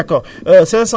waaw